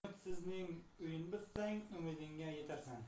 umidsizlik uyin buzsang umidingga yetarsan